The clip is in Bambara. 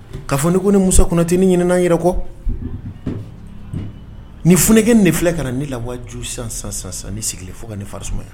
Ka fɔ ne ko ni muso kunna tɛini ɲin'an yɛrɛ kɔ ni fge ne filɛ ka ne laju san sansan ni sigilen fo ka ni fasumaya